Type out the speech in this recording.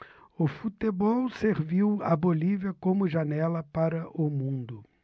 o futebol serviu à bolívia como janela para o mundo